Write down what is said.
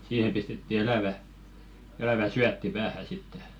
siihen pistettiin elävä elävä syötti päähän sitten